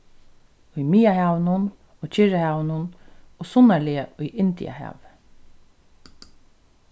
í miðjarðarhavinum og kyrrahavinum og sunnarlaga í indiahavi